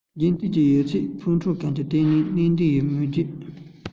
རྗེས མཐུད ཀྱི ཡོད ཚད ཕུས ཁྲོ གམ གྱིས དེ ན གནད དོན མེད ཞེས བརྗོད